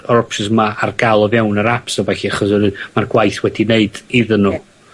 yr options 'ma ar ga'l o fewn yr aps a bellu achos o' nw... Ma'r gwaith wedi neud iddyn nw. Ie.